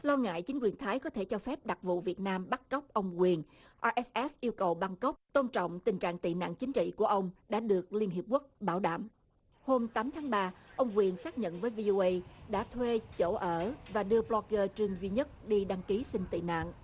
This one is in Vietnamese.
lo ngại chính quyền thái có thể cho phép đặc vụ việt nam bắt cóc ông quyền a ép ép yêu cầu bằng cốc tôn trọng tình trạng tị nạn chính trị của ông đã được liên hiệp quốc bảo đảm hôm tám tháng ba ông quyền xác nhận với vi ô ây đã thuê chỗ ở và đưa bờ lóc gơ trương duy nhất đi đăng ký xin tị nạn